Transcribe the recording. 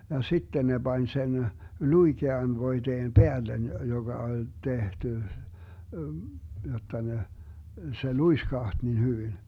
ja sitten ne pani sen luikean voiteen päälle joka oli tehty jotta ne se luiskahti niin hyvin